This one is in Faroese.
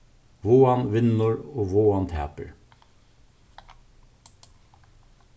vágan vinnur og vágan tapir